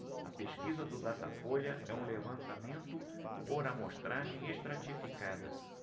a pesquisa do datafolha é um levantamento por amostragem estratificada